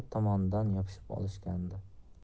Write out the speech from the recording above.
tomondan yopishib olishgandi